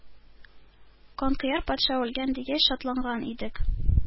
— канкояр патша үлгән дигәч, шатланган идек.